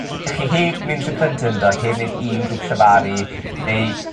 'dych chi heb myn' trwy plentyndod heb neud un grŵp llefaru neu